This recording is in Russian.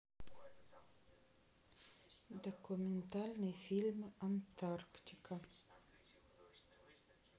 документальный фильм антарктика